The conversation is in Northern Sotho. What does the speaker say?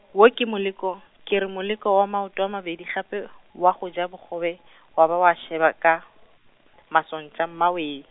wo ke moleko, ke re moleko wa maoto a mabedi gape, wa go ja bogobe, wa ba wa šeba ka, mašotša Mmawee.